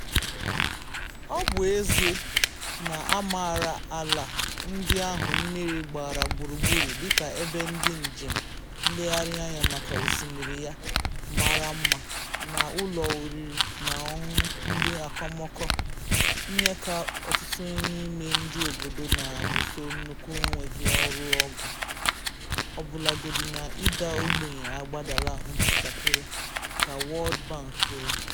Ọ bụ ezie na a maara ala ndị ahụ mmiri gbara gburugburu dịka ebe ndị njem nlegharị anya maka osimiri ya mara mma na ụlọ oriri na ọṅụṅụ ndị okomoko, ihe ka ọtụtụ n'ime ndị obodo na-alụso nnukwu enweghị ọrụ ọgụ ọbụlagodi na ịda ogbenye agbadala ntakịrị, ka World Bank kwuru.